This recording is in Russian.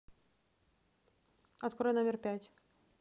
открой номер пять